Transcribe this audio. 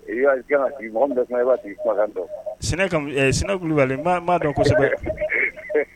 I'a sina kulubali maa dɔn kosɛbɛ